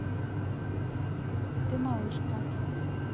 ты малышка